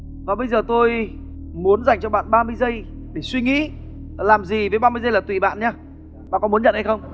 và bây giờ tôi muốn dành cho bạn ba mươi giây để suy nghĩ làm gì với ba mươi giây là tùy bạn nhá bạn có muốn nhận hay không